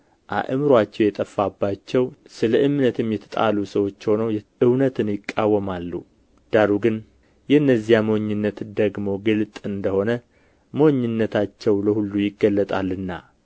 አእምሮአቸው የጠፋባቸው ስለ እምነትም የተጣሉ ሰዎች ሆነው እውነትን ይቃወማሉ ዳሩ ግን የእነዚያ ሞኝነት ደግሞ ግልጥ እንደ ሆነ ሞኝነታቸው ለሁሉ ይገለጣልና